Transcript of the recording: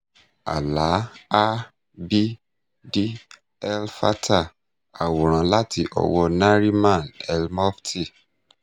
Alaa Abd El Fattah, àwòrán láti ọwọ́ Nariman El-Mofty.